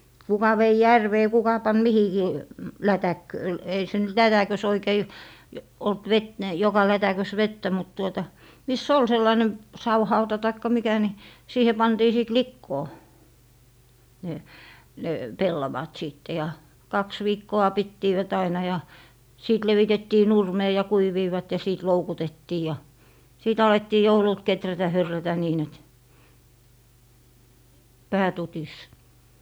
kuka vei järveen kuka pani mihinkin - ei se nyt lätäkössä oikein ollut - niin joka lätäkössä vettä mutta tuota missä oli sellainen savihauta tai mikä niin siihen pantiin sitten likoon ne ne pellavat sitten ja kaksi viikkoa pitivät aina ja sitten levitettiin nurmeen ja kuivuivat ja sitten loukutettiin ja sitten alettiin joululta kehrätä hyrrätä niin että pää tutisi